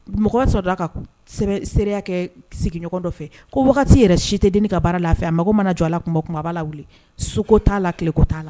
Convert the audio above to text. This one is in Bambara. Mɔgɔ sɔrɔla ka k sebee sereya kɛɛ sigiɲɔgɔn dɔ fɛ ko wagati yɛrɛ si tɛ denin ka baara l'a fɛ a mago mana jɔ a la tuma tuma a b'a la wuli su ko t'a la tile ko t'a la